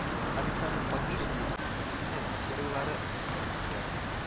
Александр Покрышкин Илнең геройлары сәхифәсендә